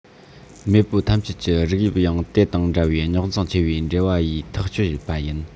མེས པོ ཐམས ཅད ཀྱི རིགས དབྱིབས ཡང དེ དང འདྲ བའི རྙོག འཛིང ཆེ བའི འབྲེལ བ ཡིས ཐག གཅོད པ ཡིན